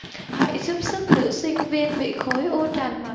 hãy giúp sức nữ sinh viên bị khối u tràn mặt